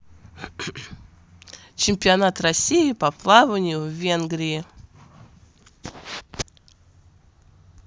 чемпионат россии по плаванию в венгрии